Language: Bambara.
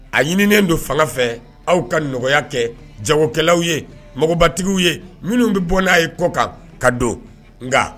A ɲinien don fanga fɛ aw ka nɔgɔya kɛ jagokɛlaw ye mɔgɔbatigitigiww ye minnu bɛ bɔ n'a ye kɔ kan ka don nka